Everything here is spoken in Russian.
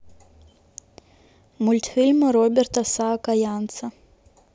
мультфильмы роберта саакаянца